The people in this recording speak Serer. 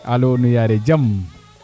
alo nu yaare jam